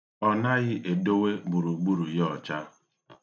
Ọ naghị edowe gburugburu ya ọcha.